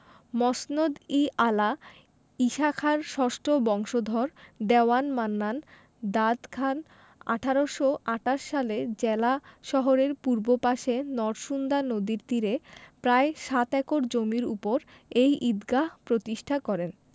মসনদ ই আলা ঈশাখার ষষ্ঠ বংশধর দেওয়ান মান্নান দাদ খান ১৮২৮ সালে জেলা শহরের পূর্ব পাশে নরসুন্দা নদীর তীরে প্রায় সাত একর জমির ওপর এই ঈদগাহ প্রতিষ্ঠা করেন